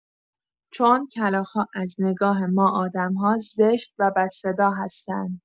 چون کلاغ‌ها از نگاه ما آدم‌ها زشت و بد صدا هستند.